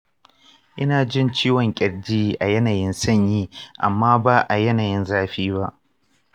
ina jin ciwon ƙirji a yanayin sanyi amma ba a yanayin zafi ba.